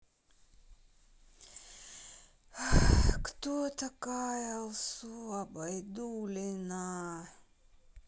кто такая алсу абайдулина